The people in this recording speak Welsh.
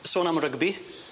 Sôn am rygbi.